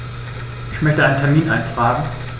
Ich möchte einen Termin eintragen.